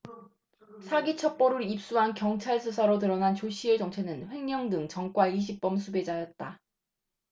사기 첩보를 입수한 경찰 수사로 드러난 조씨의 정체는 횡령 등 전과 이십 범의 수배자였다